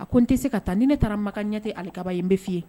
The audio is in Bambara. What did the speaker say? A ko n tɛ se ka taa ni ne taara makan n ɲɛ tɛ alikaba ye n ɲɛ bɛ f'iyen